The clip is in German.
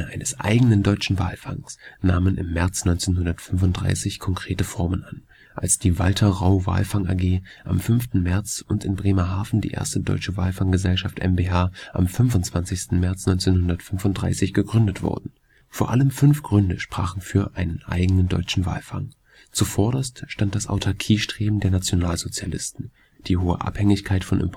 eines eigenen deutschen Walfangs nahmen im März 1935 konkrete Formen an, als die Walter Rau Walfang AG am 5. März und in Bremerhaven die Erste Deutsche Walfang-Gesellschaft mbH am 25. März 1935 gegründet wurden. Vor allem fünf Gründe sprachen für einen eigenen deutschen Walfang: Zuvorderst stand das Autarkiebestreben der Nationalsozialisten, die hohe Abhängigkeit von